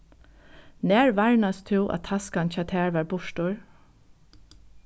nær varnaðist tú at taskan hjá tær var burtur